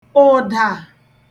ụ̀dà